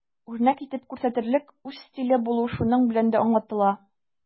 Үрнәк итеп күрсәтерлек үз стиле булу шуның белән дә аңлатыла.